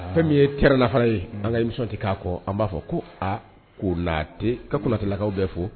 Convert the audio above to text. Fɛn min ye kɛrana fana ye an ka imisɔnti k'a kɔ an b'a fɔ ko aa ko natɛ kanatɛlakaw bɛɛ fo